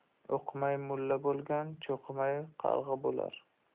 o'qimay mulla bo'lgan cho'qimay qarg'a bo'lar